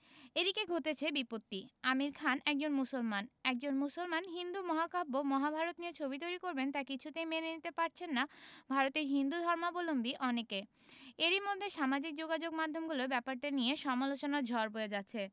এদিকে ঘটেছে বিপত্তি আমির খান একজন মুসলমান একজন মুসলমান হিন্দু মহাকাব্য মহাভারত নিয়ে ছবি তৈরি করবেন তা কিছুতেই মেনে নিতে পারছেন না ভারতের হিন্দুধর্মাবলম্বী অনেকে এরই মধ্যে সামাজিক যোগাযোগমাধ্যমগুলোয় ব্যাপারটি নিয়ে সমালোচনার ঝড় বয়ে যাচ্ছে